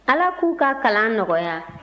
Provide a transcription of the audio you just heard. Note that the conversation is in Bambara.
ala k'u ka kalan nɔgɔya